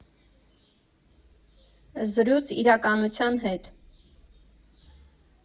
Զրույց իրականության հետ։